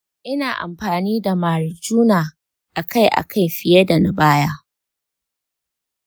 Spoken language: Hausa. ina amfani da marijuana akai-akai fiye da na baya.